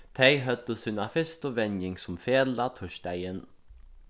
tey høvdu sína fyrstu venjing sum felag týsdagin